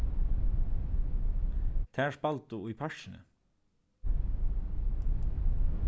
tær spældu í parkini